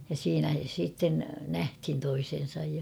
ja siinä sitten nähtiin toisensa ja